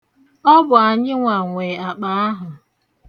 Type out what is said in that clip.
Ọ bụ anyịnwa nwe akpa ahụ.